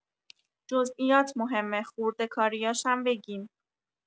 جزئیات مهمه خورده کاریاشم بگیم